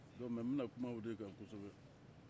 donc mais n bɛna kuma o de kan kosɛbɛ